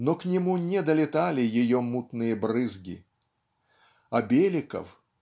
но к нему не долетали ее мутные брызги. А Беликов